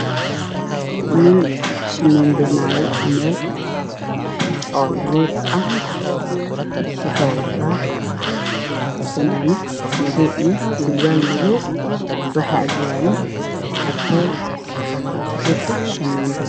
Nin shamiitaynaayo meel oo luuq ah waxuu wataa fanaanad madow ah iyo surwaal madow waxaa ag yaalo sakeel oo ku jirto shamiito.